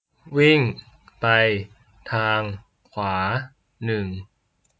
วิ่งไปทางขวาหนึ่ง